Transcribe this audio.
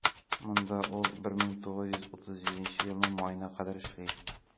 Монда ул 1937 елның маена кадәр эшли.